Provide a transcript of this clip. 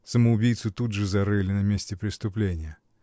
Самоубийцу тут и зарыли, на месте преступления.